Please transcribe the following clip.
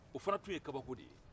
o fɛnɛ tun ye kabako de ye